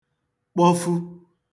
kpọfu